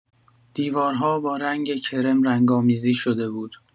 دیوارها با رنگ کرم رنگ‌آمیزی شده بود.